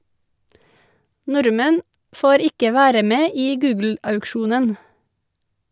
Nordmenn får ikke være med i Google-auksjonen.